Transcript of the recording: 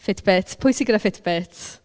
Fitbit. Pwy sy gyda Fitbit?